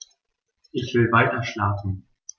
Ich will weiterschlafen.